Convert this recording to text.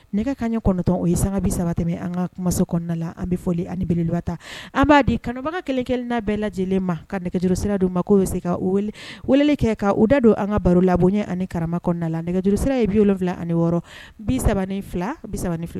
Nɛgɛ ka ɲɛ kɔnɔntɔn o ye sanga bi saba tɛmɛ an ka kumaman kɔnɔna la an bɛ fɔ ani bieleliluba tan an b'a di kanubaga kelen kelenina bɛɛ lajɛ lajɛlen ma ka nɛgɛjurusira don ma' bɛ se ka u wele kɛ ka u da don an ka baro la bonya ani kara kɔnɔna la nɛgɛjurusira ye bi wolonwula ani wɔɔrɔ bi3 fila bi fila